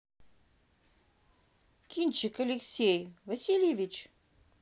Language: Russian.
кинчик алексей васильевич